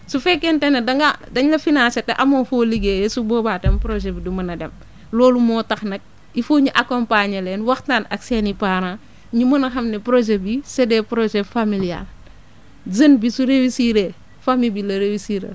su fekkente ne dangaa dañ la financer te amoo foo liggéeyee su boobaa tam projet bi du mën a dem loolu moo tax nag il faut ñu accompagner leen waxtaan ak seen i parents ñu mën a xam ne projet bii c' est des projets familial jeune bi su réussir famille bi la réussir al